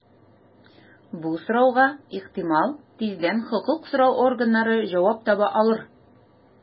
Бу сорауга, ихтимал, тиздән хокук саклау органнары җавап таба алыр.